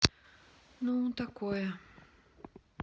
ну такое